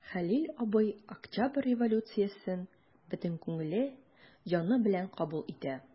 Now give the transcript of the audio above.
Хәлил абый Октябрь революциясен бөтен күңеле, җаны белән кабул итә.